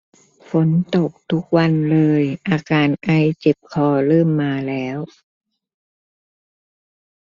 ฝนตกทุกวันเลยอาการไอเจ็บคอเริ่มมาแล้ว